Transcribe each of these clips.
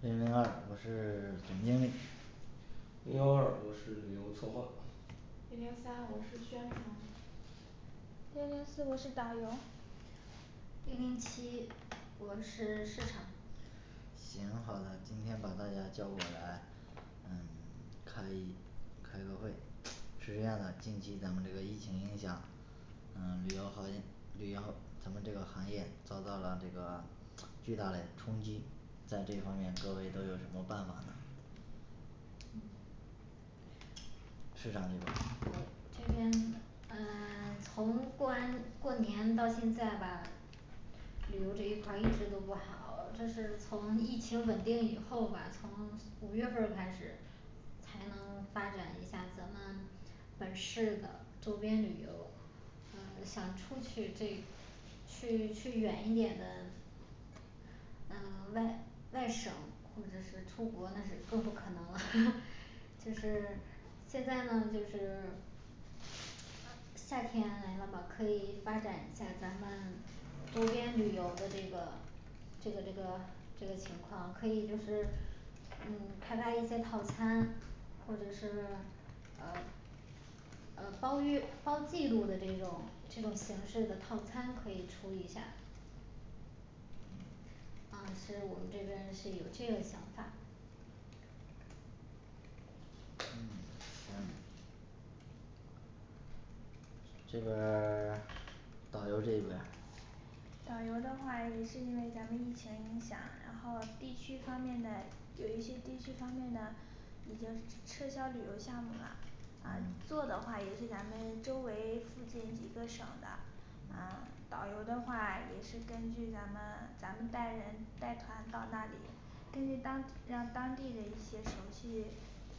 零零二我是 总经理零幺二我是旅游策划零零三我是宣传零零四我是导游零零七我是市场行好的今天把大家叫过来嗯 开一开个会是这样的近期咱们这个疫情影响嗯旅游行 业旅游咱们这个行业遭到了这个巨大嘞冲击在这方面各位都有什么办法呢嗯市场这边哦儿这边呃 从过完过年到现在吧旅游这一块儿一直都不好这是从疫情稳定以后吧从五月份儿开始才能发展一下咱们本市的周边旅游嗯想出去这去去远一点的 嗯 外外省或者是出国那是更不可能了 就是现在呢就是夏天来了嘛可以发展一下咱们周边旅游的这个这个这个这个情况可以就是嗯开发一些套餐或者是呃呃包月包季度的这种这种形式的套餐可以出一下啊是我们这边儿是有这个想法嗯嗯行这边儿 导游这边儿导游的话也是因为咱们疫情影响然后地区方面的有一些地区方面的已经撤 撤销旅游项目啦啊嗯做的话也是咱们周围附近几个省的啊导游的话也是根据咱们咱们带人带团到那里根据当让当地的一些熟悉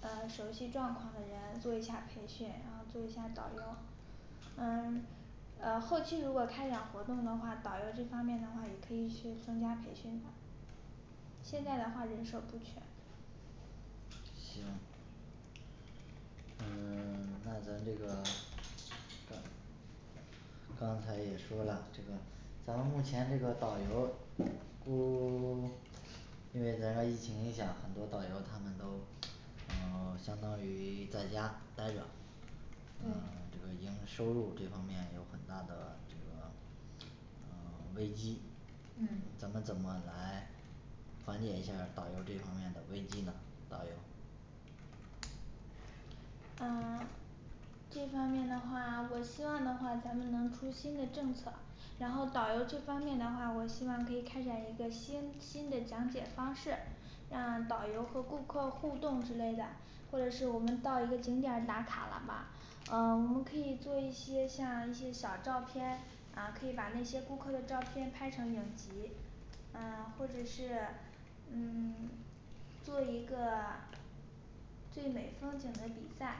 啊熟悉状况的人做一下培训然后做一下导游嗯呃后期如果开展活动的话导游这方面的话也可以去增加培训的现在的话人手不全行嗯 那咱这个刚 刚才也说啦这个咱们目前这个导游咕 因为咱个疫情影响很多导游他们都嗯 相当于在家待着呃对这个营收入这方面有很大的这个呃 危机嗯咱们怎么来缓解一下儿导游这方面的危机呢导游呃 这方面的话我希望的话咱们能出新的政策然后导游这方面的话我希望可以开展一个新新的讲解方式让导游和顾客互动之类的或者是我们到一个景点儿打卡了吧呃我们可以做像一些小照片啊可以把那些顾客的照片拍成影集呃或者是嗯 做一个最美风景的比赛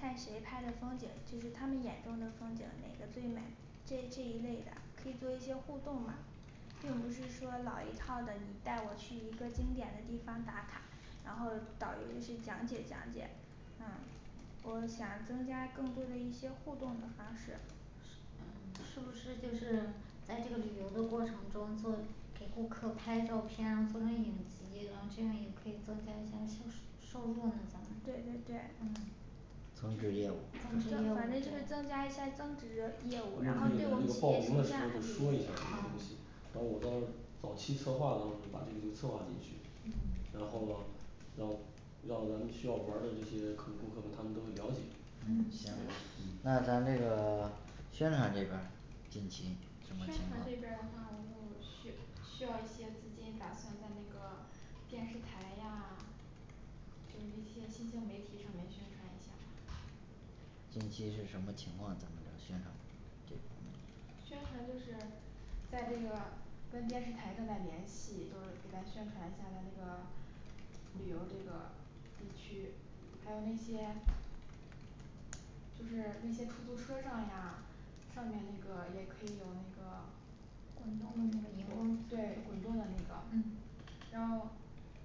看谁拍的风景就是他们眼中的风景哪个最美这这一类的可以做一些互动嘛并不是说老一套的你带我去一个经典的地方打卡然后导游就是讲解讲解嗯我想增加更多的一些互动的方式是呃是不是就是旅游的过程中做照片儿然后做成影集然后这样儿也可以增加一些就是收收入呢咱对们对对嗯增值业务增值业务反正反正就是对增加一下增值的业务我们然后可以在就这个企报业名形的时候象儿啊就说一下儿这个东西早期策划当中把这个就策划进去嗯然后了让让咱们需要玩儿的这些客顾客们他们都有了解嗯对行吧嗯那咱这个 宣传这边儿近期什宣么情传况这边儿的话我有需需要一些资金打算在那个 电视台呀 就是那些新兴媒体上面宣传一下它近期是什么情况咱们这宣传部门儿这个宣传就是在这个跟电视台正在联系就是给咱宣传一下咱这个旅游这个地区还有那些就是那些出租车上呀上面那个也可以有那个滚动的那个荧滚光对滚动的那个嗯然后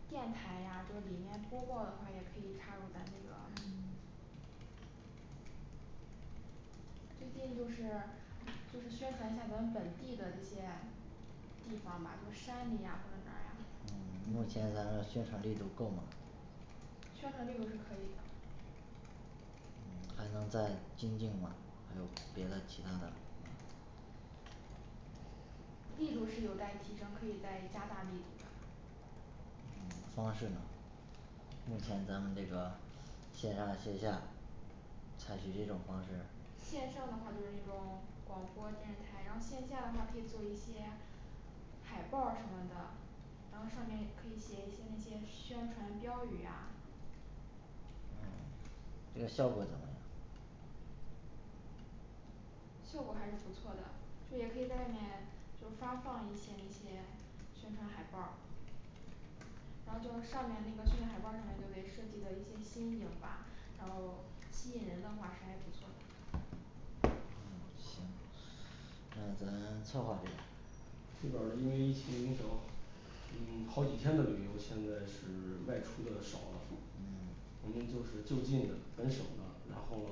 电台呀就是里面播报的话也可以插入咱这个嗯 最近就是就是宣传一下咱们本地的这些地方吧就山里呀或者哪儿呀嗯，目前咱这个宣传力度够吗宣传力度是可以的还能再精进吗？还有别的其他的力度是有待提升可以再加大力度的嗯方式呢目前咱们这个线上线下采取几种方式线上的话就是那种广播电台然后线下的话可以做一些海报儿什么的然后上面可以写一些那些宣传标语呀这个效果怎么样效果还是不错的就也可以在外面就发放一些那些宣传海报儿然后就是上面那个宣传海报儿上面就可以设计的一些新颖吧然后吸引人的话是还不错的行那咱策划这边儿这边儿的因为疫情影响嗯好几天的旅游现在是外出的少了嗯我们就是就近的本省的然后呢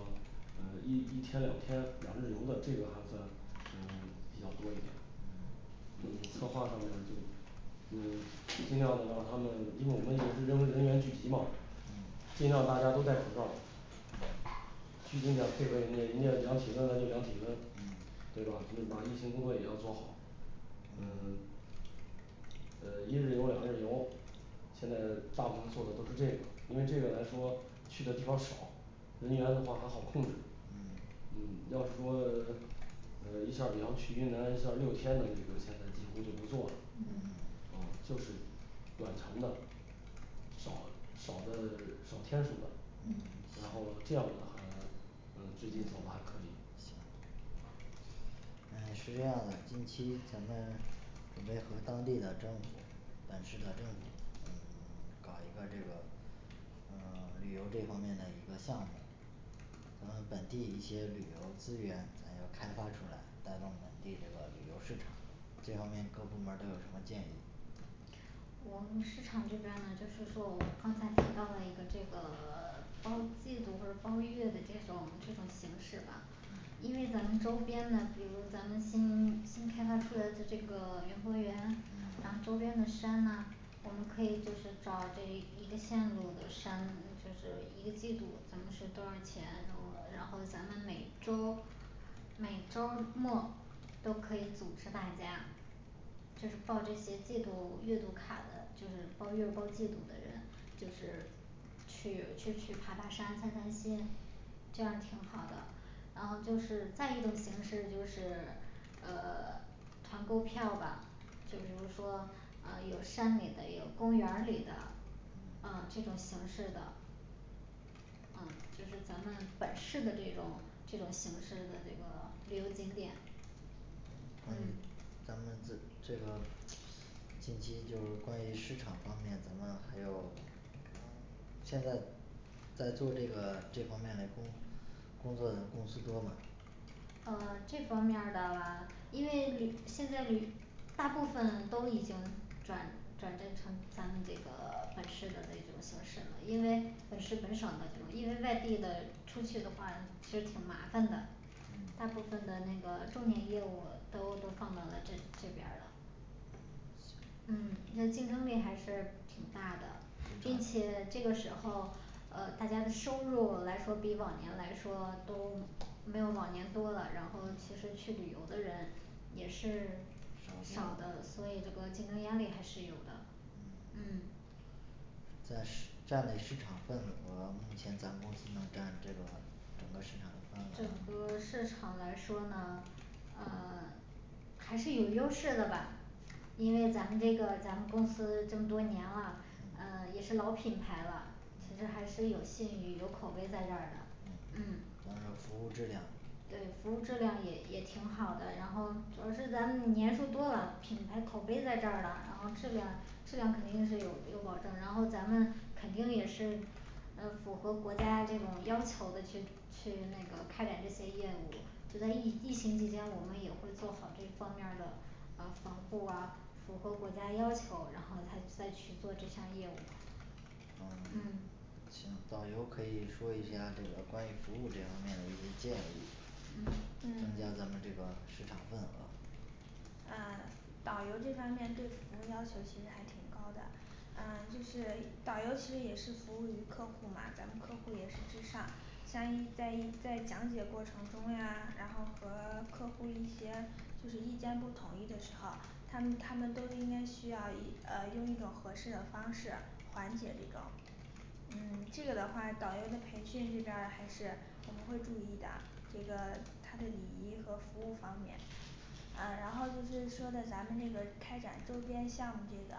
呃一一天两天两日游的这个还算呃比较多一点嗯策划上面儿就嗯尽量的让他们因为我们也是人人员聚集嘛嗯尽量大家都戴口罩儿嗯去景点儿配合人家人家量体温咱就量体温嗯对吧咱们把疫情工作也要做好嗯呃一日游两日游现在大部分做的都是这个因为这个来说去的地方少人员的话还好控制嗯嗯要是说 呃一下儿比方云南一下儿六天的那个现在几乎就不做了嗯啊就是短程的少少的 少天数的嗯然后了这样的还呃最近搞的还可以嗯是这样的近期咱们准备和当地的政府本市的政府嗯 搞一个这个呃 旅游这方面的一个项目然后本地一些旅游资源咱要开发出来带动本地这个旅游市场这方面各部门儿都有什么建议我们市场这边儿呢就是说我刚才提到了一个这个 包季度或者包月的这种这种形式吧对因为咱们周边的比如咱们新新开发出来的这个园博园然后嗯周边的山啦我们可以就是找这一一个线路的山路就是一个季度能值多少钱然后咱们每周儿每周儿末都可以组织大家就是报这些季度月度卡的就是包月儿包季度的人就是去去去爬爬山散散心这样挺好的然后就是再一种形式就是呃 团购票吧就比如说啊有山里的有公园儿里的啊这种形式的啊就是咱们本市的这种这种形式的这个旅游景点我关就 嗯于咱们自 这个近期就是关于市场方面咱们还有现在在做这个这方面的工工作的公司多吗呃这方面儿的吧因为旅现在旅大部分都已经转转折成咱们这个 本市的这种形式了因为本市本省的这种因为外地的出去的话其实挺麻烦的大部嗯分的那个重点业务都都放到了这这边儿了嗯像竞争力还是挺大的挺大并且的这个时候呃大家的收入来说比往年来说都没有往年多了然后其实去旅游的人也是 少少的所以这个竞争压力还是有的嗯咱是占嘞市场份额目前咱公司能占这个整个市场的整份额个市场来说呢呃 还是有优势的吧因为咱们这个咱们公司这么多年了呃嗯也是老品牌了其实嗯还是有信誉有口碑在这儿的嗯嗯咱这服务质量对服务质量也也挺好的然后主要是咱年数多了品牌口碑在这儿的然后质量嗯质量肯定是有一个保证然后咱们肯定也是呃符合国家这种要求的去去那个开展这些业务就在疫疫情期间我们也会做好这方面儿的啊防护啊符合国家要求然后才再去做这项业务啊嗯行导游可以说一下这个关于服务这方面的一些建议嗯增加嗯咱们这个市场份额啊导游这方面对服务要求其实还挺高的啊就是导游其实也是服务于客户嘛咱们客户也是至上像一在一在讲解过程中呀然后和客户一些就是意见不统一的时候儿他们他们都应该需要一呃用一种合适的方式缓解这种嗯这个的话导游的培训这边儿还是我们会注意的这个他的礼仪和服务方面。啊然后就是说的咱们这个开展周边项目这个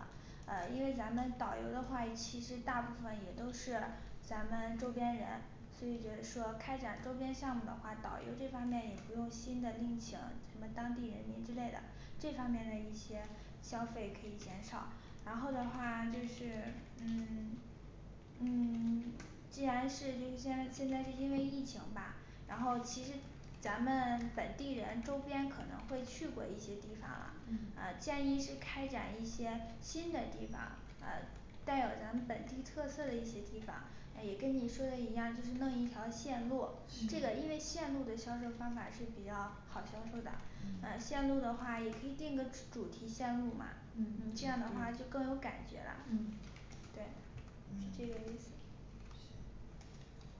啊因为咱们导游的话其实大部分也都是咱们周边人所以就是说开展周边项目的话导游这方面也不用新的另请什么当地人民之类的这方面的一些消费可以减少然后的话就是嗯 嗯 既然是就是现在现在是因为疫情吧然后其实咱们本地人周边可能会去过一些地方啦嗯啊建议是开展一些新的地方呃带有咱们本地特色的一些地方也跟你说的一样就是弄一条线路这个因为线路的销售方法是比较好销售的啊嗯线路的话也可以定个主主题线路嘛嗯这样儿的话嗯就嗯更有感觉了嗯对是嗯这个意思行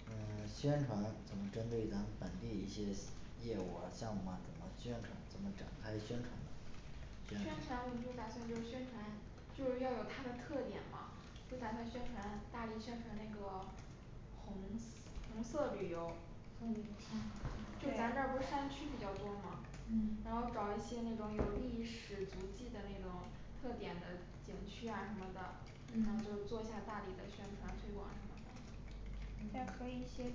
嗯宣传咱们针对咱们本地一些业务啊项目啊怎么宣传怎么展开的宣传宣宣传传我们就打算就是宣传就是要有它的特点嘛就打算宣传大力宣传那个红红色旅游嗯嗯嗯就咱这儿不山区比较多吗然后找一些那种有历史足迹的那种特点的景区啊什么的然后就做一下大力的宣传推广什么的再嗯和一些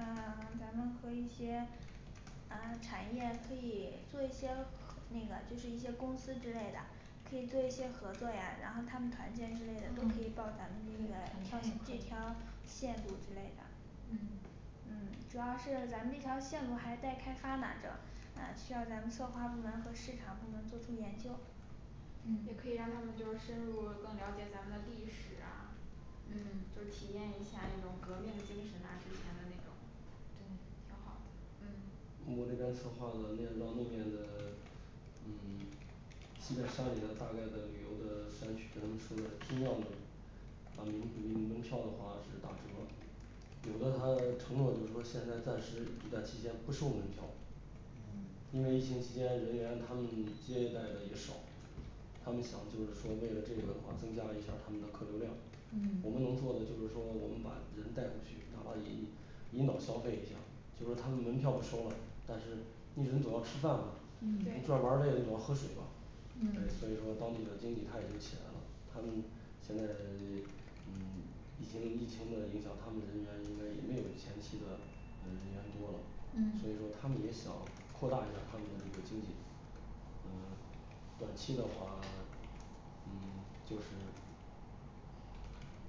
啊 咱们和一些啊产业可以做一些和那个就是一些公司之类的可以做一些合作呀然后他们团建之类的都可以嗯报咱们那个挑选几圈儿线路之类的嗯嗯主要是咱们这条线路还待开发来着啊需要咱们策划部门和市场部门作出研究也可嗯以让他们就是深入更了解咱们的历史啊嗯就是体验一下那种革命精神呢之前的那种对挺好的嗯我这边策划的内容让那边呢嗯期待山里的大概的旅游的山区给他们说的尽量的把民民门票的话是打折有的他承诺就是说现在暂时一段期间不收门票因为疫情期间人员他们接待的也少他们想就是说为了这个话增加一下儿他们的客流量嗯我们能做的就是说我们把人带回去哪怕引引导消费一下儿就说他们门票不收了但是你人总要吃饭吧嗯你转对玩儿累了你总要喝水吧诶嗯所以说当地的经济它也就起来了他们现在 嗯疫情疫情的影响他们人员应该也没有前期的呃人员多了所以嗯说他们也想扩大一下儿他们的这个经济呃短期的话 嗯就是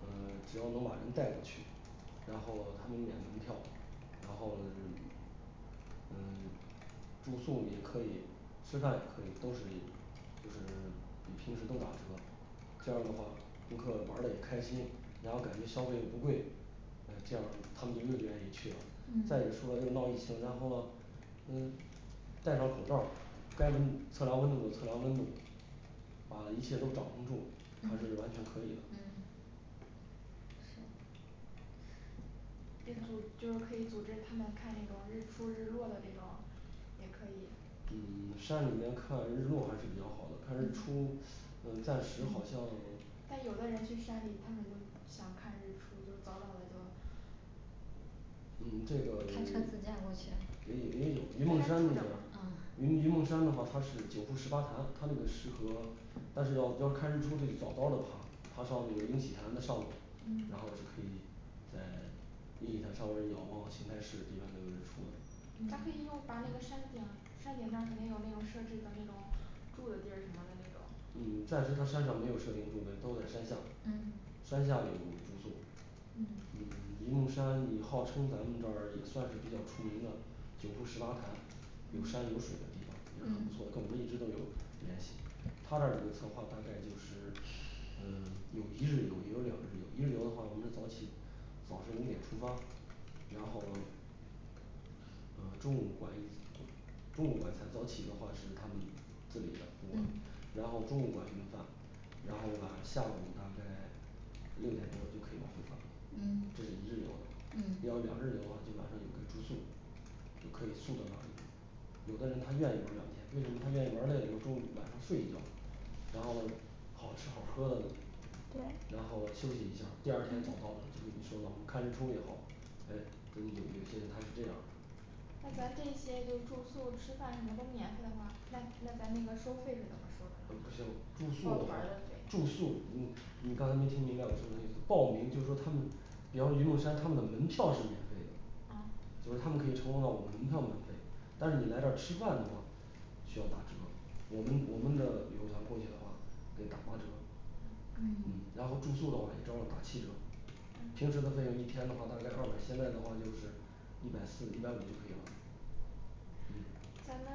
呃只要能把人带过去然后了他们免门票然后呢是呃住宿也可以吃饭也可以都是就是比平时都打折这样儿的话顾客玩儿得也开心然后感觉消费又不贵嗯这样儿他们就又就愿意去了再一个嗯说到这个闹疫情然后咯嗯戴上口罩儿该怎么测量温度的测量温度把一切都掌控住还是嗯完全可以的嗯对组就是可以组织他们看那种日出日落的这种也可以嗯 山里面看日落还是比较好的看日嗯出呃暂时好嗯像但有的人去山里他们就想看日出就早早的就嗯这个看山怎么样我觉 也得有也有云梦山那边儿啊云云梦山的话它是九瀑十八潭它那个适合但是要要看日出得早早儿地爬爬上那个迎喜潭的上面儿然后就可以在迎喜潭上边儿仰望邢台市里面那个日出的咱可以嗯用把那个山顶山顶那儿肯定有那种设置的那种住的地儿什么的那种嗯暂时它山上没有设定住的都在山下嗯山下有住宿嗯嗯 云梦山以号称咱们这儿也算是比较出名的九瀑十八潭有山嗯有水的地方也是很不错嗯跟我们一直都有联系他这儿一个策划大概就是呃有一日游也有两日游一日游的话我们是早起早上五点出发然后了呃中午管一顿中午管餐早起的话是他们自理的不管然后中午管一顿饭然后晚下午大概六点多就可以往回返了嗯这是一日游的要嗯两日游的话就晚上有可以住宿就可以住到那里有的人他愿意玩儿两天为什么他愿意玩儿累了以后中午晚上睡一觉然后了好吃好喝儿的然对后了休息一下儿第二天早早的就给你送到我们看日出也好诶呃有有些人他是这样儿的那咱这些就是住宿吃饭什么都免费的话那那咱收费那嗯不个是行怎住么收宿的的啊报话团儿的费住宿嗯你刚才没听明白我说的意思报名就说他们比方云梦山他们的门票是免费的啊就是他们可以承诺到我们门票免费但是你来这儿吃饭的话需要打折我们我们的旅游团过去的话给打八折呃嗯嗯可以然后住宿的话也照样儿打七折平嗯时的费用一天的话大概二百现在的话就是一百四一百五就可以了嗯 咱们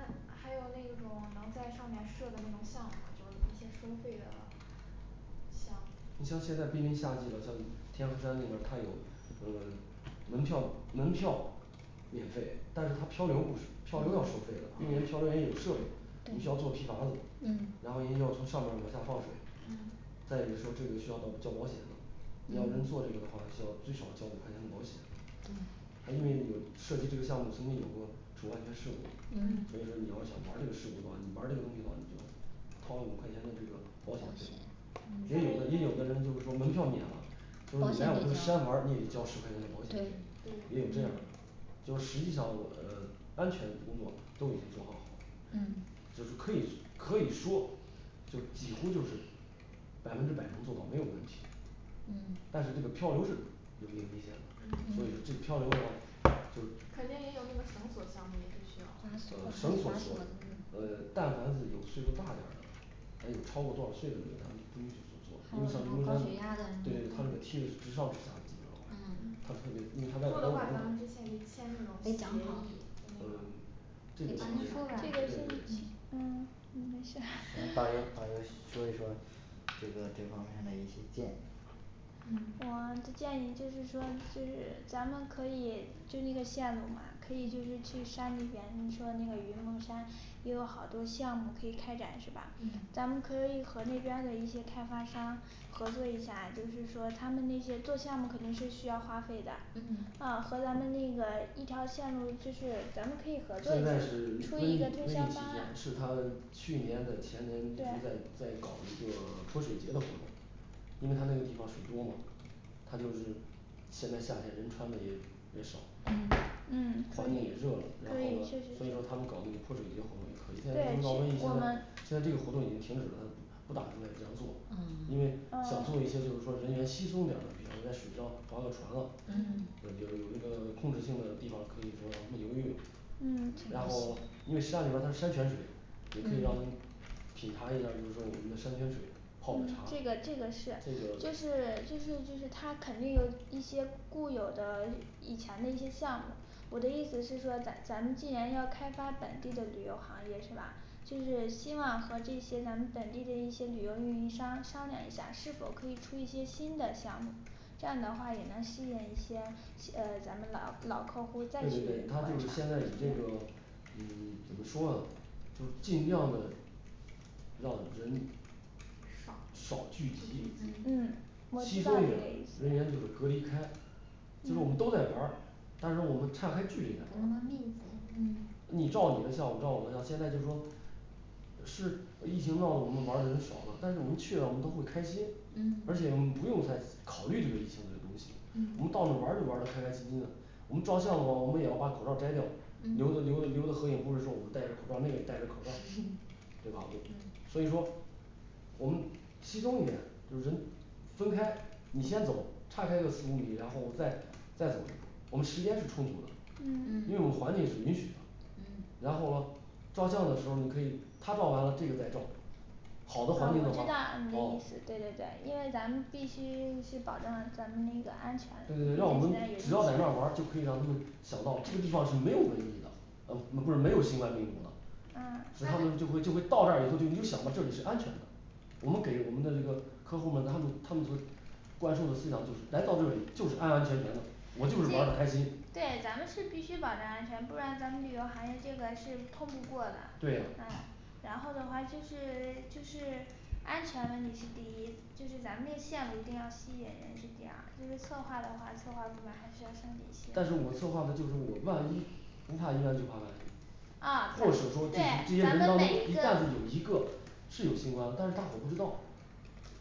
还有那种能在上面设的那种项吗就是一些收费的 项你像现在濒临夏季了像天河山那边儿他有呃门票门票免费但是它漂流不书 漂流要收费的因为啊人漂流人有设备你需要做皮筏子然后嗯人要从上边儿往下放水嗯再一个说这个需要到交保险的你要真做这个的话需要最少交五块钱的保险还因为有涉及这个项目曾经有过出安全事故的嗯嗯所以说你要想玩儿这个事故的话你玩儿这个东西的话你就要掏了五块钱的这个保保险险费也上嗯面有儿的也应有的该人就是说门票免了就是你来我这个山玩儿你也得交十块钱的保险对费也有这对样儿的就是实际上我呃安全工作都已经做好好了就是可以素 可以说就是几乎就是百分之百能做到没有问题嗯但是这个漂流是有一定危险的嗯所以说这嗯漂流的话就是肯定也有那个绳索项目也是需要呃绳索索呃但凡是有岁数儿大点儿的咱有超过多少岁的那个咱们不允许坐坐因为像云梦山对对对它那个梯子是直上直下的基本上快它特别因为它排的坐时的候话咱们之它前得签那种协得议讲好嗯 这就个那的个话安也全啊对对对嗯没事导游 导游说一说这个这方面嘞一些建议嗯我的建议就是说就是咱们可以就那个线路嘛可以就是去山里边你说的那个云梦山也有好多项目可以开展是吧嗯咱们可以和那边儿的一些开发商合作一下就是说他们那些做项目肯定是需要花费的嗯啊和咱们那个一条线路就是咱们可以合作出一现下嘛在是瘟出一疫瘟个疫推期销间方案是他去年在前年一直对在在搞一个 泼水节的活动因为它那个地方水多嘛他就是现在夏天人穿的也也少嗯嗯环境也热了然可后以呢去所以说他们搞那个泼水节活动也可以现在不对确是闹瘟疫实我们现在现在这个活动已经停止了它不打算再这样做因为啊想做一嗯些就是说人员稀松点儿的比方说在水上划个船了嗯嗯说有有这个控制性的地方可以说让他们游游泳嗯然后因为山里边儿它山泉水也可以让他们嗯品尝一下儿就是说我们的山泉水泡的嗯茶这这个个这个是就是就是就是它肯定有一些固有的以以前的一些项目我的意思是说咱咱们既然要开发本地的旅游行业是吧就是希望和这些咱们本地的一些旅游运营商商量一下是否可以出一些新的项目这样的话也能吸引一些吸 呃咱们老老客户再对对对他就是现在以这个嗯 怎么说呢就是尽量的让人少聚集少不聚集嗯稀松一点儿人员就是隔离开就是我们都在玩儿但是我们差开距离在玩儿你照你的相我照我的相现在就是说呃是呃疫情闹的我们玩儿的人少了但是我们去了我们都会开心而嗯且我们不用再考虑这个疫情这个东西我们到嗯那儿玩儿就玩儿得开开心心的我们照相的话我们也要把口罩儿摘掉嗯留的留的留的合影不是说我们戴着口罩儿那个也戴着口罩儿 对吧嗯所以说我们稀松一点就是人分开你先走岔开个四五米然后我再再走一波儿我们时间是充足的嗯因嗯为我们环境是允许的嗯然后了照相的时候儿你可以他照完了这个再照好呃我知道的环你境的话的噢意思对对对因为咱们必须是保证咱们那个安全对对对让我们只要在那儿玩儿就可以让他们想到这个地方是没有瘟疫的啊那不是没有新冠病毒的呃使那他们就就会就会到这儿以后就你就想吧这里是安全的我们给我们的这个客户儿们他们他们所灌输的思想就是来到这里就是安安全全的我就是玩儿的开心对咱们是必须保证安全不然咱们旅游行业这个是通不过的啊对嗯呀，然后的话就是 就是安全问题是第一就是咱们这线路一定要吸引人是第二就是策划的话策划部门儿还需要上点心但是我策划的就是我万一不怕一万就怕万一啊或者说咱就是这对些咱人们当中每一一个旦是有一个是有新冠但是大伙儿不知道